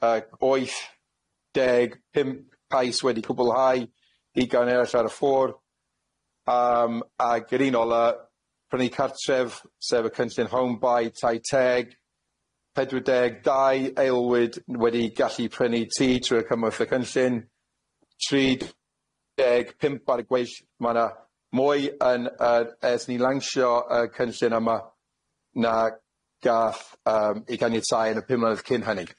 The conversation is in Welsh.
Yy oeth deg pump cais wedi cwbwlhau ugain eryll ar y ffor, yym ag yr un ola prynu cartref sef y cynllun hown bai tai teg pedwar deg dau aylwyd n- wedi gallu prynu tŷ trwy'r cymorth y cynllun, tri deg pump ar gweill, ma' na mwy yn yr ers ni lancio yy cynllun yma na gath yym ugain i'w tai yn y pum mlynedd cyn hynny.